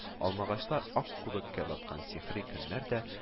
Алмагачлар ак күбеккә баткан сихри көннәрдә дә